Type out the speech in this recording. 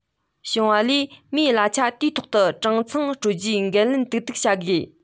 ཞིང པ ལས མིའི གླ ཆ དུས ཐོག ཏུ གྲངས ཚང སྤྲོད རྒྱུར འགན ལེན ཏན ཏིག བྱ དགོས